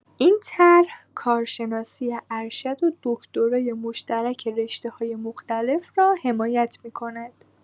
این طرح، کارشناسی‌ارشد و دکترای مشترک رشته‌های مختلف را حمایت می‌کند.